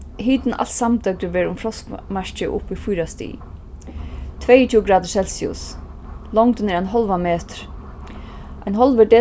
hitin alt samdøgrið verður um frostmarkið upp í fýra stig tveyogtjúgu gradir celsius longdin er ein hálvan metur ein hálvur